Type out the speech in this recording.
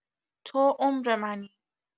تو عمر منی